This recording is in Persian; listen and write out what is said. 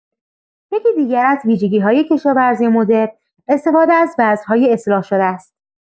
یکی دیگر از ویژگی‌های کشاورزی مدرن، استفاده از بذرهای اصلاح‌شده است.